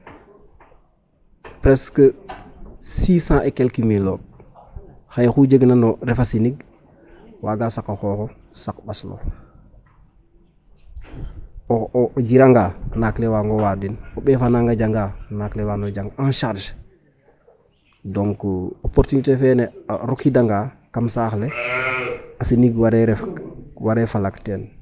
Presque six cent et quelque mille o xaye oxu jegna no refa sinig waaga saq a xooxof, saq ɓaslof o jiranga naak le waango waadin o ɓeef a nanga janga naak le waagin o jangaa en charge donc opportuniter a rokiidanga kam saax le a sinig waree ref waree falaq teen.